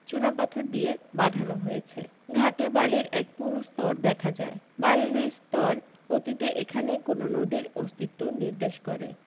চুনাপাথর দিয়ে বাঁধানো হয়েছে ঘাটে বালির এক পুরু স্তর দেখা যায় বালির এই স্তর অতীতে এখানে কোন নদীর অস্তিত্ব নির্দেশ করে